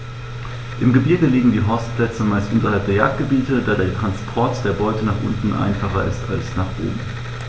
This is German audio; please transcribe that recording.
Im Gebirge liegen die Horstplätze meist unterhalb der Jagdgebiete, da der Transport der Beute nach unten einfacher ist als nach oben.